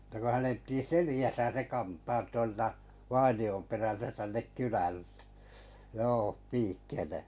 että kun hänen piti selässä se kantaa tuolta vainion perältä tänne kylälle joo piikkeineen